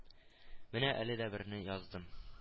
Менә әле дә берне яздым